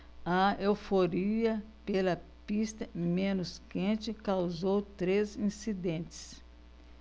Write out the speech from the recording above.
a euforia pela pista menos quente causou três incidentes